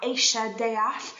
eisie deall.